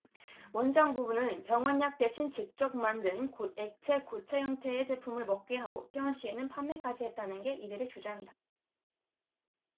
원장 부부는 병원 약 대신 직접 만든 액체 고체 형태의 제품을 먹게 하고 퇴원 시에는 판매까지 했다는 게 이들의 주장이다